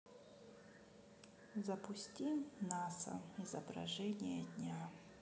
запусти наса изображение дня